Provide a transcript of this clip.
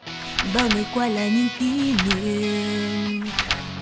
bao ngày qua là những kỉ niệm kỉ niệm